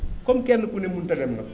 comme kenn ku ne mënta dem nag